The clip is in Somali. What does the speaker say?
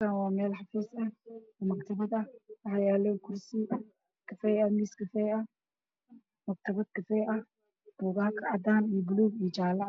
Meeshaan waa meel ma xafiis ah maktabad ah waxaa yaalo kursi kafee oo miis kafee ah